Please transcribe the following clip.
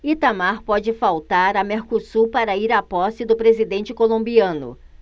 itamar pode faltar a mercosul para ir à posse do presidente colombiano